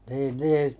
niin niin